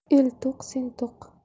el to'q sen to'q